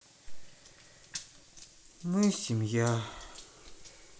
мы семья